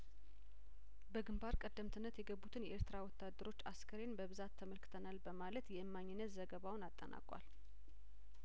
በግንባር ቀደምትነት የገቡትን የኤርትራ ወታደሮች አስክሬን በብዛት ተመልክተናል በማለት የእማኝነት ዘገባውን አጠናቋል